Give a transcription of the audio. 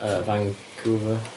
Yy, Vancouver?